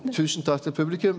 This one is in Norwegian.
tusen takk til publikum.